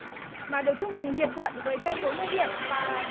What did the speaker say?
mà được chúc mừng hiệp thuận với thêm bốn mươi điểm và